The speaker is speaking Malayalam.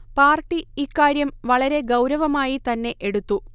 പാർട്ടി ഇക്കാര്യം വളരെ ഗൗരവമായി തന്നെ എടുത്തു